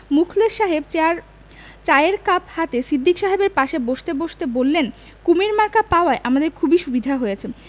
মুখলেস সাহেব চার চায়ের কাপ হাতে সিদ্দিক সাহেবের পাশে বসতে বসতে বললেন কুমীর মার্কা পাওয়ায় আমাদের খুবই সুবিধা হয়েছে